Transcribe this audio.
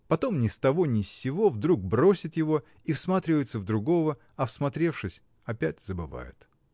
Потом ни с того ни с сего вдруг бросит его и всматривается в другого и, всмотревшись, опять забывает.